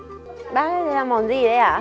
bác ơi đây là món gì đây ạ